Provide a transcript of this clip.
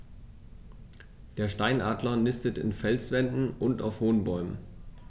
Der Steinadler nistet in Felswänden und auf hohen Bäumen.